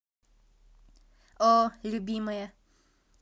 о любимая